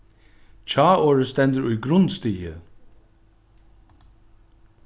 hjáorðið stendur í grundstigi